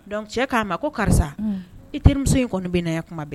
Dɔnkuc cɛ k'a ma ko karisa i terimuso in kɔni bɛ na kuma